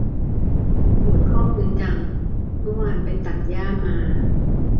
ปวดข้อมือจังเมื่อวานไปตัดหญ้ามา